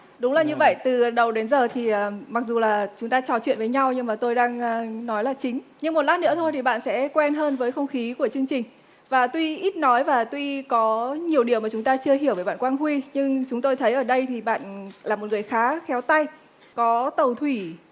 đúng là như vậy từ đầu đến giờ thì mặc dù là chúng ta trò chuyện với nhau nhưng mà tôi đang nói là chính nhưng một lát nữa thôi thì bạn sẽ quen hơn với không khí của chương trình và tuy ít nói và tuy có nhiều điều mà chúng ta chưa hiểu về bạn quang huy nhưng chúng tôi thấy ở đây thì bạn là một người khá khéo tay có tàu thủy